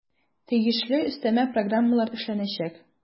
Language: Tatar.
Тиешле өстәмә программалар эшләнәчәк.